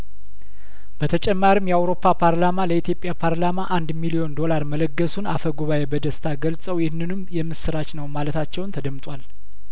በተጨማሪም የአውሮፓ ፓርላማ ለኢትዮጵያ ፓርላማ አንድ ሚሊዮን ዶላር መለገሱን አፈጉባኤ በደስታ ገልጸው ይህንኑም የምስራች ነው ማለታቸውን ተደምጧል